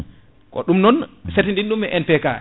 ko ɗum non setidini ɗum e MPK